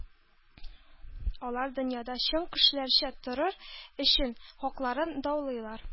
Алар дөньяда чын кешеләрчә торыр өчен хакларын даулыйлар